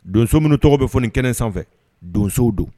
Donso minnu tɔgɔ bɛ fɔ nin kɛnɛ sanfɛ donsow don.